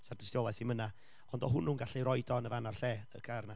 'Sa'r dystiolaeth ddim yna, ond o' hwnnw'n gallu roid o yn y fan a'r lle, y car 'na.